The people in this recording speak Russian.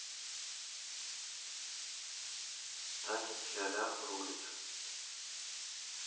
танец ляля рулит